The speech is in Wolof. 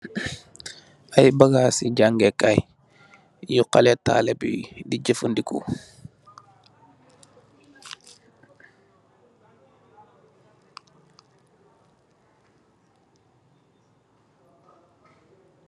Aiiy bagassi jaangeh kaii yu haleh talibeh yii dii jeufandikoh.